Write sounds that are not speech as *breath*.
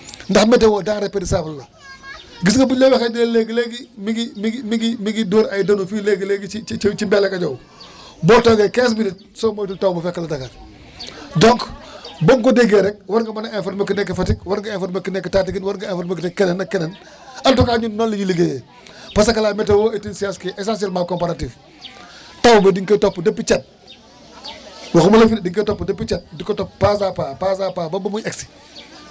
*breath* ndax météo denrhée perissable la *crosstalk* gis nga bu ñu la waxee ne la léegi légi mi ngi mi ngi mi ngi mi ngi dóor ay dënnu fii léegi léegi ci ci ci Mbeelakadiao *breath* boo toogee 15 minutes soo moytuwul taw ba fekk la Dakar *breath* donc *breath* ba nga ko déggee rek war nga mën a informer ki nekk Fatick war nga informer ki nekk Tataguine war nga informer ku nekk keneen ak keneen *breath* en tout cas ñun noonu la ñuy liggéeyee *breath* parce que la météo est une science qui est essentiellement comparative *breath* taw bi dañ koy topp depuis cat *crosstalk* waxu ma la fii ne dañ koy topp depuis cat di ko topp pas à pas pas à pas ba bu muy egg si *breath*